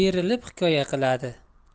berilib hikoya qiladi